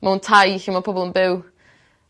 mewn tai lle ma' pobol yn byw.